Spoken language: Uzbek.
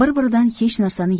bir biridan hech narsani